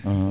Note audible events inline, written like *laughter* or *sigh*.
*hesitation* *hesitation*